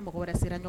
Mɔgɔ wɛrɛ sera